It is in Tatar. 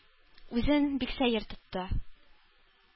Үзен бик сәер тотты.